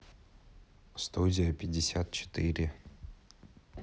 студия пятьдесят четыре